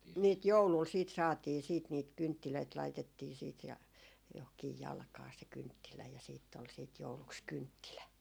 niitä joululla sitten saatiin sitten niitä kynttilöitä laitettiin sitten ja johonkin jalkaan se kynttilä ja sitten oli sitten jouluksi kynttilä